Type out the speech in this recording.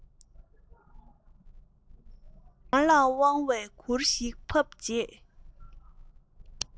རང ལ དབང བའི གུར ཞིག ཕུབ རྗེས